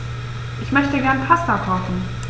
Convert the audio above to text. Ich möchte gerne Pasta kochen.